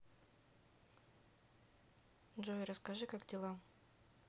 джой расскажи как дела